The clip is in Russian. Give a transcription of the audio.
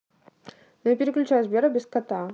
ну и переключай сбера без кота